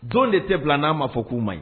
Don de tɛ bila n'a ma fɔ k'u ma ɲi